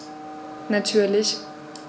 Natürlich.